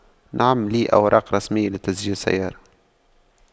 نعم لي أوراق رسمية لتسجيل سيارة